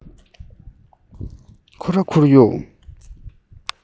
ཁོ ར ཁོར ཡུག